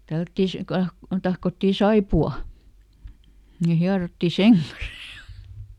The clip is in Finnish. tällättiin -- kun tahkottiin saippuaa niin hierottiin sen kanssa